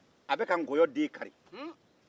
a bɛka nkɔyɔ den kari